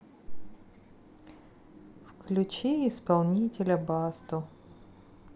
включи исполнителя басту